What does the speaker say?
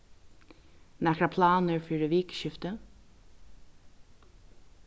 nakrar planir fyri vikuskiftið